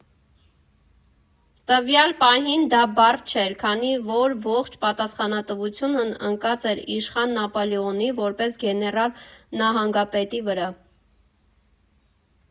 Տվյալ պահին դա բարդ չէր, քանի որ ողջ պատասխանատվությունն ընկած էր իշխան Նապոլեոնի՝ որպես գեներալ֊նահանգապետի վրա։